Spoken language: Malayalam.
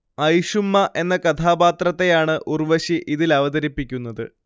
ഐഷുമ്മ എന്ന കഥാപാത്രത്തെയാണ് ഉർവശി ഇതിലവതരിപ്പിക്കുന്നത്